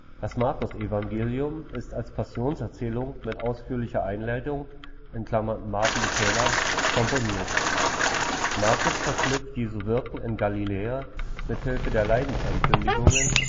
Das Markusevangelium ist als „ Passionserzählung mit ausführlicher Einleitung “(Martin Kähler) komponiert. Markus verknüpft Jesu Wirken in Galiläa mit Hilfe der Leidensankündigungen